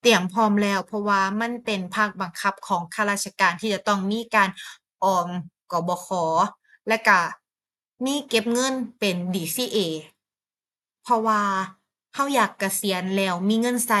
เตรียมพร้อมแล้ว เพราะว่ามันเป็นภาคบังคับของข้าราชการที่จะต้องมีการออม กบข. แล้วก็ มีเก็บเงินเป็น DCA เพราะว่าก็อยากเกษียณแล้วมีเงินก็